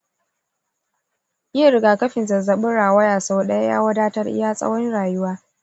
yin rigakafin zazzabin rawaya sau daya ya wadatar iya tsawon rayuwa.